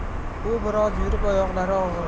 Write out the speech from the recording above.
u bir oz yurib oyoqlari